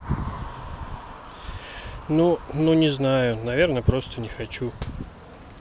ну ну не знаю наверное просто не хочу